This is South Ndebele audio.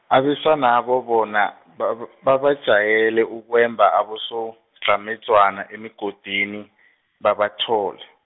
abesanabo bona , babajayele ukwemba abosodlhamedzwana emigodini, babathole.